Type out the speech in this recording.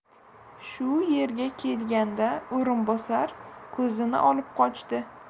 shu yerga kelganda o'rinbosar ko'zini olib qochdi